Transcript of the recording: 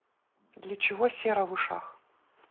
для чего сера в ушах